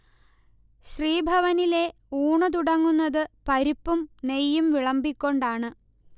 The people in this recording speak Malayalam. ശ്രീഭവനിലെ ഊണു തുടങ്ങുന്നതു പരിപ്പും നെയ്യും വിളമ്പിക്കൊണ്ടാണ്